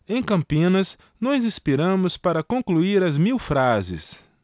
em campinas nos inspiramos para concluir as mil frases